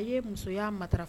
A ye musoya matarafa